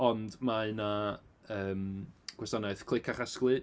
Ond mae 'na yym gwasanaeth clic a chasglu.